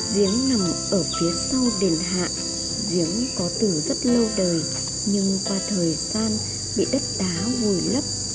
giếng nằm ở phía sau đền hạ giếng có từ rất lâu đời nhưng qua thời gian bị đất đá vùi lấp